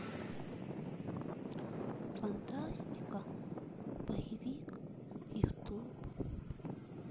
фантастика боевик в ютуб